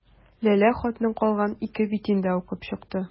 Ләлә хатның калган ике битен дә укып чыкты.